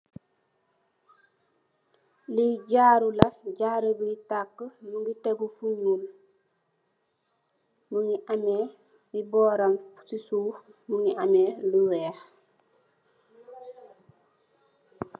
Lee jaaru la jaaru boye takeh muge tegu fu nuul muge ameh se boram se suff muge ameh lu weex.